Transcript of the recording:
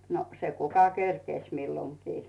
no se kuka kerkesi milloinkin